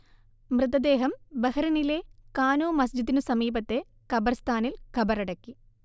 മൃതദേഹം ബഹ്റൈനിലെ കാനൂ മസ്ജിദിനു സമീപത്തെ ഖബർസ്ഥാനിൽ കബറടക്കി